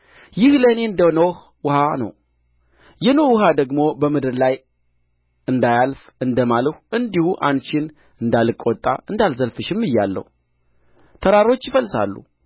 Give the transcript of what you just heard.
ይህ ለእኔ እንደ ኖኅ ውኃ ነው የኖኅ ውኃ ደግሞ በምድር ላይ እንዳያልፍ እንደ ማልሁ እንዲሁ አንቺን እንዳልቈጣ እንዳልዘልፍሽም ምያለሁ ተራሮች ይፈልሳሉ